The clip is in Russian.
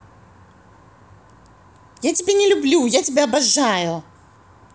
я тебя не люблю я тебя обожаю